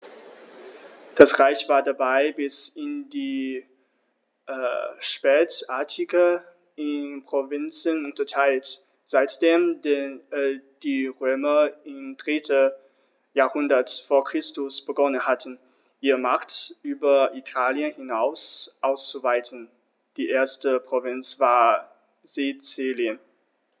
Das Reich war dabei bis in die Spätantike in Provinzen unterteilt, seitdem die Römer im 3. Jahrhundert vor Christus begonnen hatten, ihre Macht über Italien hinaus auszuweiten (die erste Provinz war Sizilien).